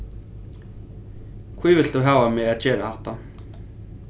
hví vilt tú hava meg at gera hatta